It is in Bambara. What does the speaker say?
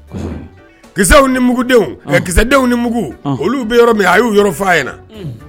Ki ni mugudenw kidenw ni mugu olu bɛ yɔrɔ min a y'u yɔrɔ fɔ a ye na